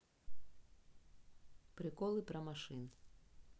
приколы про машин